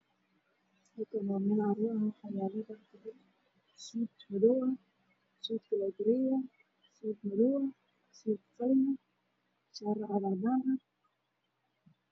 Meeshaan waa meel carwo ah waxaa yaalo dharka raga sida suud madow, suud buluug, suud qalin ah iyo shaarar cadaan ah.